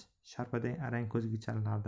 sharpaday arang ko'zga chalinardi